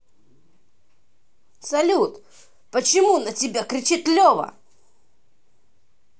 салют почему на тебя кричит лева